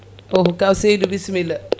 o ko kaw Seydou bissimilla